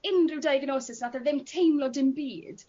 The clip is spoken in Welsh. unryw diagnosis nath e ddim teimlo dim byd